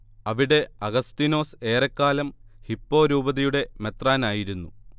അവിടെ അഗസ്തീനോസ് ഏറെക്കാലം ഹിപ്പോ രൂപതയുടെ മെത്രാനായിരിരുന്നു